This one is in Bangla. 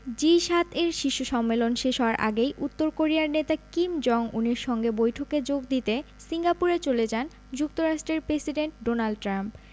জি ৭ এর শীর্ষ সম্মেলন শেষ হওয়ার আগেই উত্তর কোরিয়ার নেতা কিম জং উনের সঙ্গে বৈঠকে যোগ দিতে সিঙ্গাপুরে চলে যান যুক্তরাষ্ট্রের প্রেসিডেন্ট ডোনাল্ড ট্রাম্প